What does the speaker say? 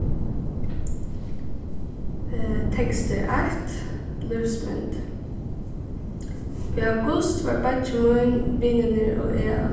tekstur eitt lívsmynd í august vóru beiggi mín vinirnir og eg á